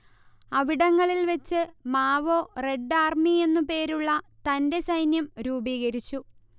അവിടങ്ങളിൽ വെച്ച് Mao red army എന്നു പേരുള്ള തന്റെ സൈന്യം രൂപീകരിച്ചു